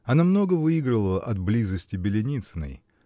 Она много выигрывала от близости Беленицыной.